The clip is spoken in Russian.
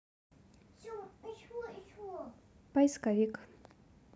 поисковик